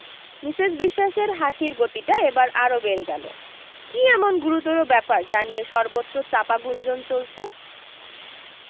Mrs বিশোয়াসের হাসির গতিটা এবার আরও বেড়ে গেলো কী এমন গুরুতর ব্যাপার যা নিয়ে সর্বত্র চাপা গুঞ্জন চলছে